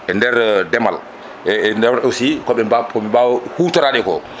e nder ndeemal e nder aussi koɓe mbaw hutorade ko